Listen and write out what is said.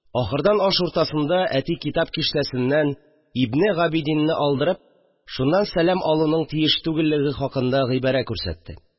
Ахырдан, аш уртасында, әти китап киштәсеннән Ибне Габидинне алдырып, шуннан сәлам алуның тиеш түгеллеге хакында гыйбарә күрсәтте